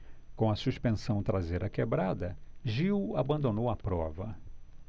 com a suspensão traseira quebrada gil abandonou a prova